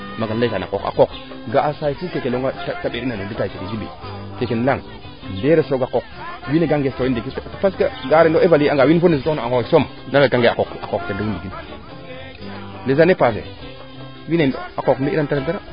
maaga im leyta na qooq a qooq ga'a saay fu keeke leyoonga a mbeer'u no detail kene Djiby keeke im leyang nderes fa roog a qooq wiiw we ga ngeef kan ndiiki parce que ren o evaluer anga wiin pod ne soxla na a qoox soom na lal ka nge a qooq ten refu ndigil les année passer wiin we a qooq mbi i ran te ref dara